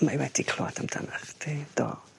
Mae 'i wedi clywad amdanach chdi do.